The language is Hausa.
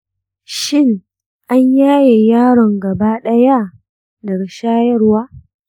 shin an yaye yaron gaba ɗaya daga shayarwa?